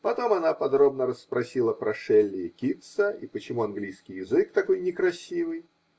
Потом она подробно расспросила про Шелли и Китса, и почему английский язык такой некрасивый.